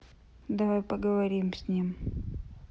давай поговорим с ним